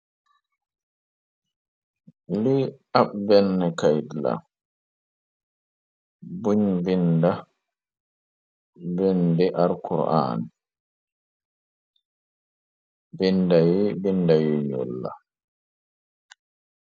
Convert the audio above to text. li ab benn kayt la buñ binda bindi arkuraan binda yi binda yu ñul la